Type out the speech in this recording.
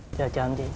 dạ chào anh chị